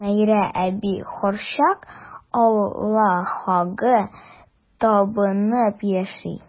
Хөмәйрә әби һәрчак Аллаһыга табынып яши.